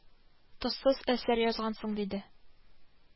Без дә кузгалып киттек.